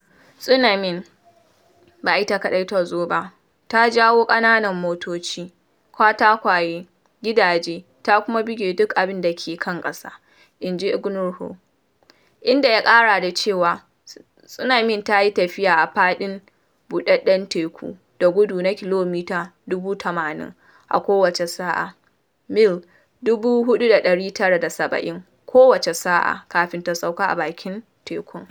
“Tsunamin ba ita kaɗai tazo ba, ta jawo ƙananan motoci, katakwaye, gidaje, ta kuma bugi duk abin da ke kan ƙasa,” inji Nugroho, inda ya ƙara da cewa tsunamin ta yi tafiya a faɗin buɗeɗɗen teku da gudu na kilomita 800 a kowace sa’a (mil 497 kowace sa’a) kafin ta sauka a bakin tekun.